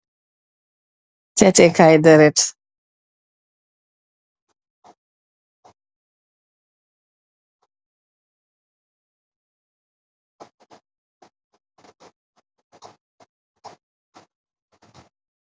Seete kaay dereet